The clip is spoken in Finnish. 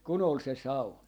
kun oli se sauna